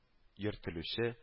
Йөртелүче